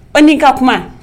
O ni ka kuma